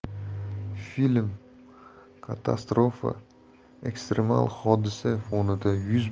film katastrofa ekstremal hodisa fonida yuz